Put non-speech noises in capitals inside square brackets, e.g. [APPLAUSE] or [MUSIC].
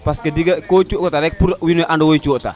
[MUSIC] parce que ko codata rek wine ande cota